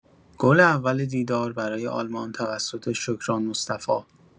گل اول دیدار برای آلمان توسط شکران مصطفی